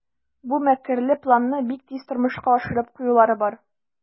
Бу мәкерле планны бик тиз тормышка ашырып куюлары бар.